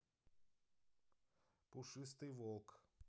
пушистый волк